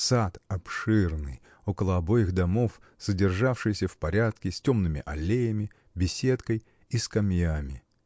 Сад обширный около обоих домов, содержавшийся в порядке, с темными аллеями, беседкой и скамьями.